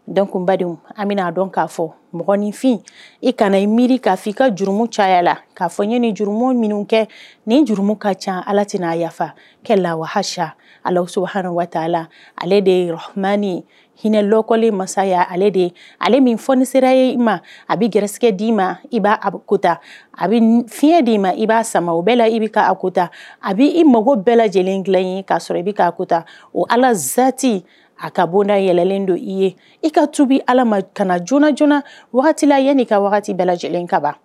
Den kunbadenw an bɛna a dɔn k'a fɔ minfin i kana i miiri k'a fɔ ii ka juruumumu caya la k ka'a fɔ ye ni jurumu minnu kɛ nin jurumu ka ca ala tɛna n'a yafa ka la wahasiya alaso ha waati la ale de yerɔmani ye hinɛ lɔkɔlen masaya ale de ye ale min fɔoni sera ye i ma a bɛ g garisɛgɛ d'i ma i b'a a bɛ kota a bɛ fiɲɛ d'i ma i b'a sama o bɛɛ la i bɛ ka kota a bɛ i mago bɛɛ lajɛlen dilan ye k'a sɔrɔ i bɛ k'a kota o alazsaati a ka bondaɛlɛnlen don i ye i ka tubi ala kana joona joonanala yan' ka waati bɛɛ lajɛlen ka ban